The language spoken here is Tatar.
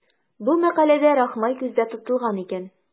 Бу мәкаләдә Рахмай күздә тотылган икән.